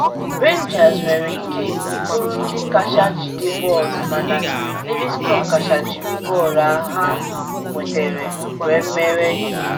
Rangers nwere ike bụrụ ndị kacha jide bọọlụ mana Livingston kacha jiri bọọlụ ha nwetere wee mere ihe.